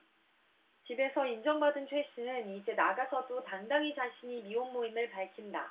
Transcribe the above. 집에서 인정받은 최 씨는 이제 나가서도 당당히 자신이 미혼모임을 밝힌다